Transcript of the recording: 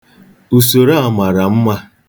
Usoro a mara mma.